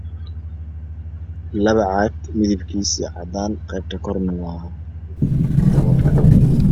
Waa labo caag midabkiisu waa cadaan qeybta korna waa daboolka.